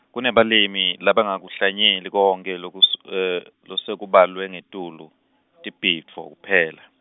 kunebalimi, labangakuhlanyeli konkhe lokuse- losekubalwe ngetulu, tibhidvo, kuphela.